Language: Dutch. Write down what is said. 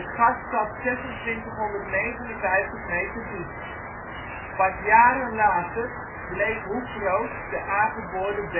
gas zat 2659 meter diep. Pas jaren later bleek hoe groot de aangeboorde